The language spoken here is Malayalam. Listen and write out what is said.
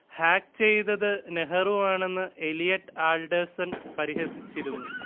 ഹാക്ക് ചെയ്തത് നെഹ്റു ആണെന്ന് എലിയട്ട് ആൾഡേഴ്സൺ പരിഹസിച്ചിരുന്നു